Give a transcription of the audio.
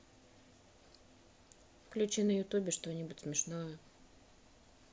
включи на ютубе что нибудь смешное